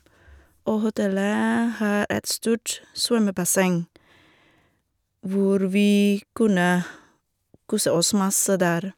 Og hotellet har et stort svømmebasseng, hvor vi kunne kose oss masse der.